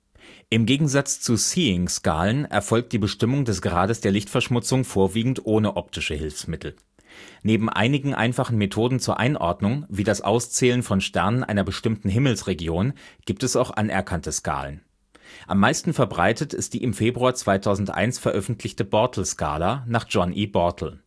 Im Gegensatz zu Seeing-Skalen erfolgt die Bestimmung des Grades der Lichtverschmutzung vorwiegend ohne optische Hilfsmittel. Neben einigen einfachen Methoden zur Einordnung, wie das Auszählen von Sternen einer bestimmten Himmelsregion, gibt es auch anerkannte Skalen. Am meisten verbreitet ist die im Februar 2001 veröffentlichte Bortle-Skala nach John E. Bortle